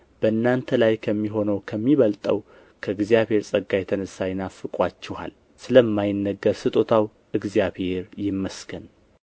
በእናንተ ላይ ከሚሆነው ከሚበልጠው ከእግዚአብሔር ጸጋ የተነሣ ይናፍቁአችኋል ስለማይነገር ስጦታው እግዚአብሔር ይመስገን